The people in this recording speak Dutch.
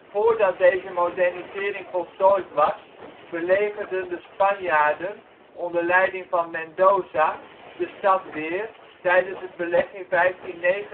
Voordat deze modernisering voltooid was, belegerden de Spanjaarden onder leiding van Mendoza de stad weer, tijdens het beleg in 1599